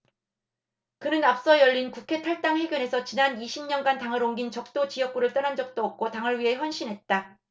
그는 앞서 열린 국회 탈당 회견에서 지난 이십 년간 당을 옮긴 적도 지역구를 떠난 적도 없고 당을 위해 헌신했다